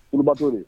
Bato de